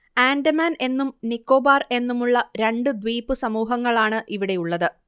ആൻഡമാൻ എന്നും നിക്കോബാർ എന്നുമുള്ള രണ്ടു ദ്വീപുസമൂഹങ്ങളാണ് ഇവിടെയുള്ളത്